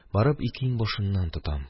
Барып, ике иңбашыннан тотам